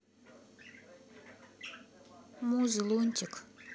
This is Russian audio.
музы лунтик